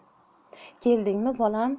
keldingmi bolam